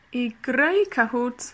I greu Cahoot,